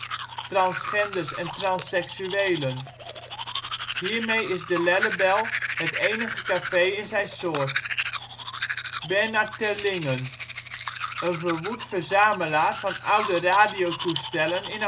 transgenders en transseksuelen. Hiermee is de Lellebel het enige café in zijn soort. Bernard Terlingen: een verwoed verzamelaar van oude radiotoestellen in